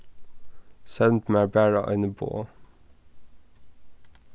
send mær bara eini boð